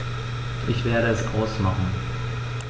Ich werde es ausmachen